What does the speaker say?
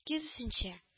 Киресенчә